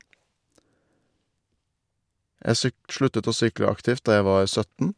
Jeg syk sluttet å sykle aktivt da jeg var sytten.